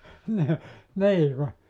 niin niin kun